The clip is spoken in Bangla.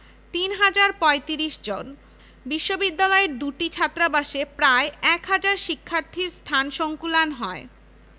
৩ হাজার ৩৫ জন বিশ্ববিদ্যালয়ের দুটি ছাত্রাবাসে প্রায় এক হাজার শিক্ষার্থীর স্থান সংকুলান হয়